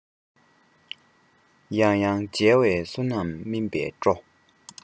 ཡང ཡང མཇལ བའི བསོད ནམས སྨིན པས སྤྲོ